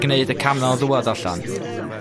gneud y cam 'na o ddwad allan?